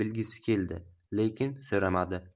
bilgisi keldi lekin so'ramadi